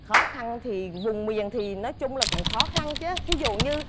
khó khăn thì vùng miền thì nói chung là cũng khó khăn chứ thí dụ như